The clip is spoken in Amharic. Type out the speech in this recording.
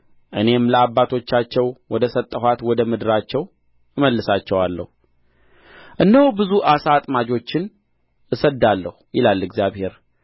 እኔም ለአባቶቻቸው ወደ ሰጠኋት ወደ ምድራቸው እመልሳቸዋለሁ እነሆ ብዙ ዓሣ አጥማጆችን እሰድዳለሁ ይላል እግዚአብሔር